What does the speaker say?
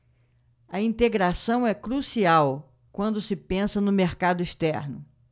a integração é crucial quando se pensa no mercado externo